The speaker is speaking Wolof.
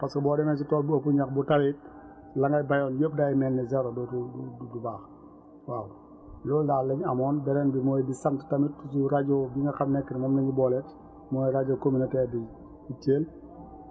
parce que boo demee si tool bu ëpp ñax bu tawee la nga bayoon yépp day mel ni zéro du du baax waaw loolu daal la ñu amoon beneen bi mooy di sant tamit suñu rajo bi nga xam nekk na mi ngi boole mooy rajo communautaire bi fii Thiel